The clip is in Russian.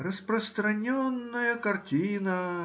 — Распространенная картина